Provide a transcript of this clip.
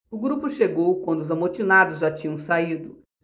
o grupo chegou quando os amotinados já tinham saído